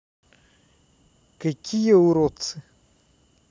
какие уродцы